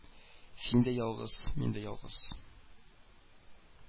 Син дә ялгыз, мин дә ялгыз